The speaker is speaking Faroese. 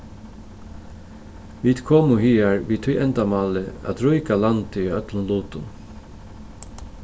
vit komu higar við tí endamáli at ríka landið í øllum lutum